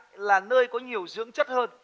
là nơi có nhiều dưỡng chất hơn